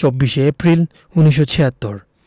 ২৪শে এপ্রিল ১৯৭৬